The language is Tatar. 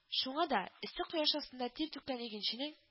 Шуңа да эссе кояш астында тир түккән игенченең